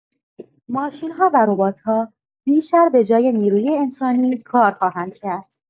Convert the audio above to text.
ماشین‌ها و ربات‌ها بیشتر به‌جای نیروی انسانی کار خواهند کرد.